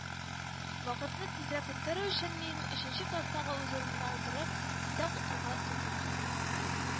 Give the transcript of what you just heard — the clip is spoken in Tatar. Вакытны тизрәк үткәрү өчен мин, өченче класстагы үз урыныма утырып, китап укырга тотындым